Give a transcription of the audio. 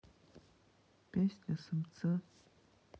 песня самца